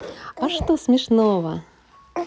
а что смешного